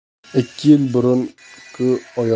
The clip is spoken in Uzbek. ikki yil burun ku